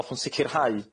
Hoffwn sicirhau